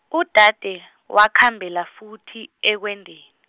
udade, wakhambela futhi, ekwendeni.